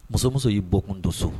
Muso o muso y'i bɔ kun dɔn so